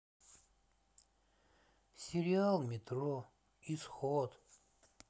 сериал метро исход